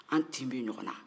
an tin bɛ ɲɔgɔ na